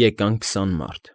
Եկան քսան մարդ։